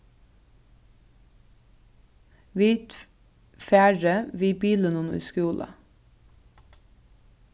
vit fari við bilinum í skúla